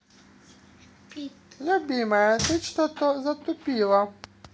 любимая ты что то затупила